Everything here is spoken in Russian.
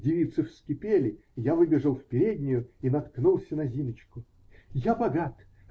девицы вскипели, я выбежал в переднюю и наткнулся на Зиночку. -- Я богат!